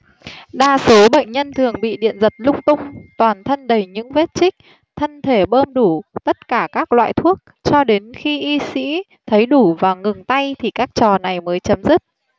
đa số bệnh nhân thường bị điện giật lung tung toàn thân đầy những vết chích thân thể bơm đủ tất cả các loại thuốc cho đến khi y sĩ thấy đủ và ngừng tay thì các trò này mới chấm dứt